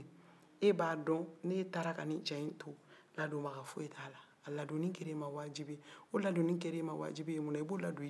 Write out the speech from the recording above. a ladonni kɛra i ma wajibi ye o ladonni kɛra i ma wajibi ye mun na i bɛ o ladon i denw kama